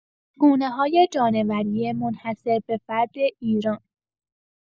گونه‌های جانوری منحصر به‌فرد ایران